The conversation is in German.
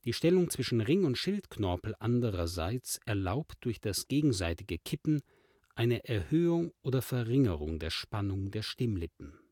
Stellung zwischen Ring - und Schildknorpel andererseits erlaubt durch das gegenseitige Kippen eine Erhöhung oder Verringerung der Spannung der Stimmlippen